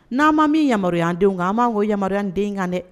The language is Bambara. N'a ma min yamaruyaya denw kan a b manan ko yamaruyaya den kan dɛ